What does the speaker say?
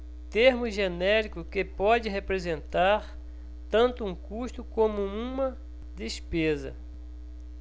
termo genérico que pode representar tanto um custo como uma despesa